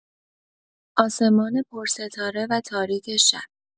آسمان پرستاره و تاریک شب